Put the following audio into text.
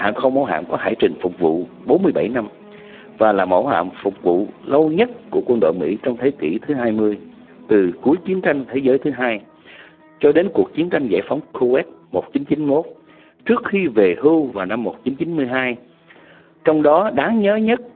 hàng không mẫu hạm có hải trình phục vụ bốn mươi bảy năm và là mẫu hạm phục vụ lâu nhất của quân đội mỹ trong thế kỷ thứ hai mươi từ cuối chiến tranh thế giới thứ hai cho đến cuộc chiến tranh giải phóng cô oét một chín chín mốt trước khi về hưu vào năm một chín chín mươi hai trong đó đáng nhớ nhất